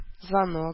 Звонок